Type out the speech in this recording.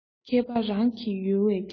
མཁས པ རང གི ཡུལ བས ཀྱང